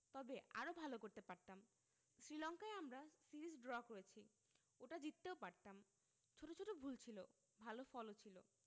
তবে আরও ভালো করতে পারতাম শ্রীলঙ্কায় আমরা সিরিজ ড্র করেছি ওটা জিততেও পারতাম ছোট ছোট ভুল ছিল ভালো ফলও ছিল